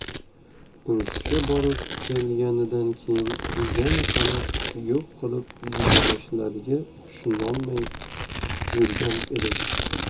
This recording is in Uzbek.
urushga borib kelganidan keyin yana qamab yo'q qilib yuborishlariga tushunolmay yurgan edim